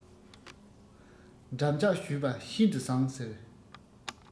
འགྲམ ལྕག གཞུས པ ཤིན དུ བཟང ཟེར